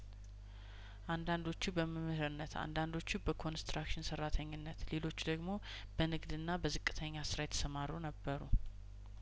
አንዳንዶቹ በመምህርነት አንዳንዶቹ በኮንስትራክሽን ሰራተኛነት ሌሎቹ ደግሞ በንግድና በዝቅተኛ ስራ የተሰማሩ ነበሩ